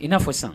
I na fɔ sisan